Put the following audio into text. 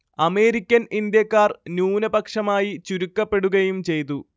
American ഇന്ത്യക്കാർ ന്യൂനപക്ഷമായി ചുരുക്കപ്പെടുകയും ചെയ്തു